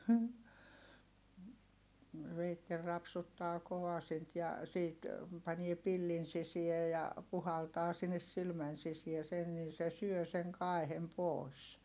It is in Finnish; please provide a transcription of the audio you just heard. veitsellä rapsuttaa kovasinta ja siitä panee pillin sisään ja puhaltaa sinne silmän sisään sen niin se syö sen kaihen pois